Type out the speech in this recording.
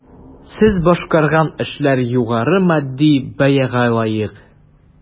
Сез башкарган эшләр югары матди бәягә лаек.